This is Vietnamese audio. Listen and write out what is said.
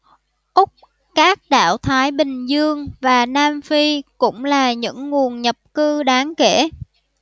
úc các đảo thái bình dương và nam phi cũng là những nguồn nhập cư đáng kể